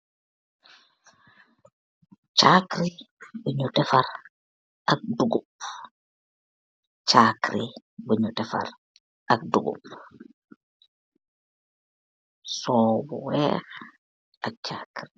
Charkri bu nure defal ark dugoub. Charkri bu nure defal ark dugoub. Sowe bu neh ark charkri.